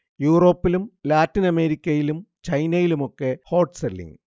യൂറോപ്പിലും ലാറ്റിൻ അമേരിക്കയിലും ചൈനയിലുമൊക്കെ ഹോട്ട് സെല്ലിങ്